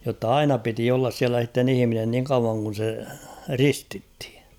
jotta aina piti olla siellä sitten ihminen niin kauan kun se ristittiin